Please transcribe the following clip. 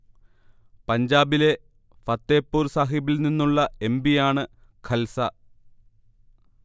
പഞ്ചാബിലെ ഫത്തേപൂർ സാഹിബിൽ നിന്നുള്ള എം. പി. യാണ് ഖൽസ